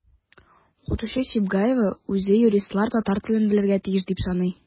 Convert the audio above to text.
Укытучы Сибгаева үзе юристлар татар телен белергә тиеш дип саный.